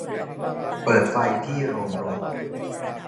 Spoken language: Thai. เปิดไฟที่โรงรถ